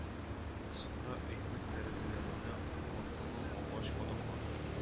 Соңра өйнең тәрәзәләренә аркылы агач кадакланды